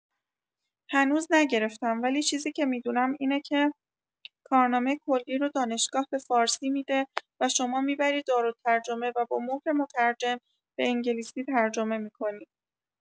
هنوز نگرفتم ولی چیزی که می‌دونم اینکه، کارنامه کلی رو دانشگاه به فارسی می‌ده و شما می‌بری دارالترجمه و با مهر مترجم به انگلیسی ترجمه می‌کنی.